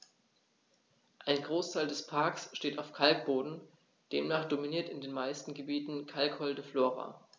Ein Großteil des Parks steht auf Kalkboden, demnach dominiert in den meisten Gebieten kalkholde Flora.